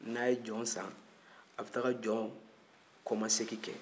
n'a' ye jɔn san a' taa jɔn kɔmasegin kɛ